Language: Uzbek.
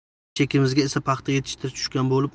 bizning chekimizga esa paxta yetishtirish tushgan